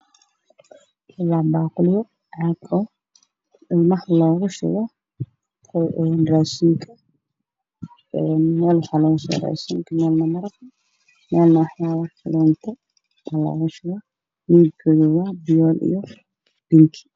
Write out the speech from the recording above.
Meeshan waa weelal ay cag ah oo yaallaan waxaa ku jiro koodu waa cagaar iyo guduud iyo buluug dhulka waa mutuel caddaan